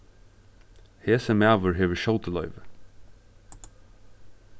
hesin maður hevur skjótiloyvi